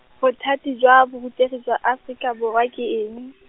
bothati jwa borutegi jwa Aforika Borwa ke eng?